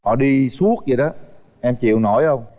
họ đi suốt vậy đó em chịu nổi hông